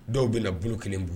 Dɔw bɛna na bolo kelen bolo